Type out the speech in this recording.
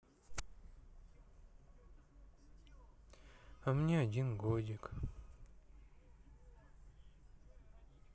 а мне один годик